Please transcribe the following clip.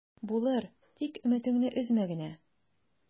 Булыр, тик өметеңне өзмә генә...